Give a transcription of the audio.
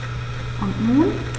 Und nun?